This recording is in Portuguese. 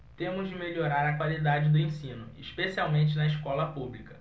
temos de melhorar a qualidade do ensino especialmente na escola pública